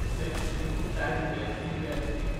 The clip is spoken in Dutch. treedt de Winkeltijdenwet in werking